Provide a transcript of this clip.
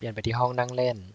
เปลี่ยนไปที่ห้องนั่งเล่น